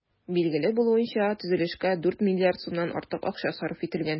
Билгеле булуынча, төзелешкә 4 миллиард сумнан артык акча сарыф ителгән.